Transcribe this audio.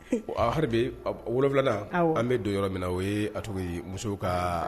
Hali bi wolo wolonwula an bɛ don yɔrɔ min na o ye a cogo musow ka